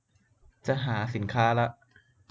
จะหาสินค้าละ